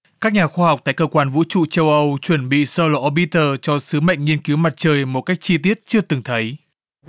các nhà khoa học tại cơ quan vũ trụ châu âu chuẩn bị sơ lộ o pít tơ cho sứ mệnh nghiên cứu mặt trời một cách chi tiết chưa từng thấy